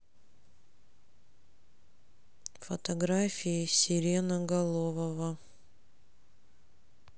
фотографии сиреноголового